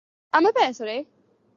Am y be sori?